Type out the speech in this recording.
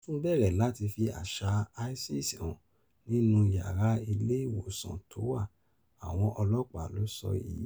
Ó tún béèrè láti fi àsíá ISIS han nínú yàrá ilé ìwòsàn tó wà, àwọn ọlọ́pàá ló sọ èyí.